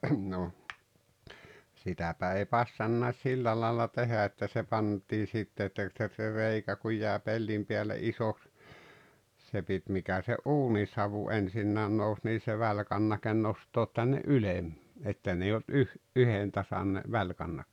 no sitäpä ei passannutkaan sillä lailla tehdä että se pantiin sitten että se se reikä kun jäi pellin päälle isoksi se piti mikä se uuni savu ensinnäkin nousi niin se välikannake nostaa tänne ylemmäs että ne ei ollut - yhden tasan ne välikannakkeet